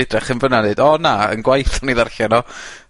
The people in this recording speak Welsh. ...edrych yn fana ddeud o na yn gwaith o'n i ddarllen o...